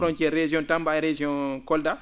frontiére région Tamba e région kolda